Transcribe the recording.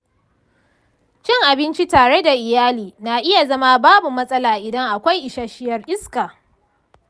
cin abinci tare da iyali na iya zama babu matsala idan akwai isasshiyar iska.